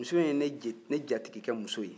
muso in ye ne jatigikɛ muso ye